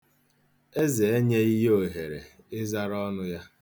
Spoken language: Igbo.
Eze enyeghị ya ohere ị zara ọnụ ya.